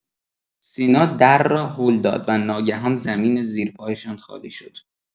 سینا در را هل داد و ناگهان، زمین زیر پایشان خالی شد!